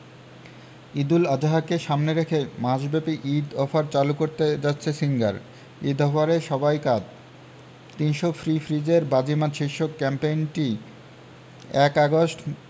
ঈদুল আজহাকে সামনে রেখে মাসব্যাপী ঈদ অফার চালু করতে যাচ্ছে সিঙ্গার ঈদ অফারে সবাই কাত ৩০০ ফ্রি ফ্রিজে বাজিমাত শীর্ষক ক্যাম্পেইনটি ১ আগস্ট